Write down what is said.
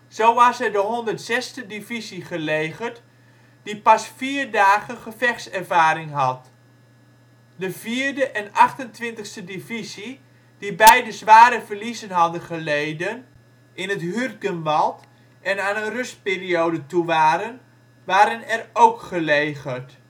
Zo was er de 106e divisie gelegerd, die pas vier dagen gevechtservaring had. De 4e en 28e divisie, die beide zware verliezen hadden geleden in het Hürtgenwald en aan een rustperiode toe waren, waren er ook gelegerd